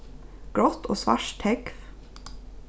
grátt og svart tógv